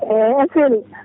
eyyi a selli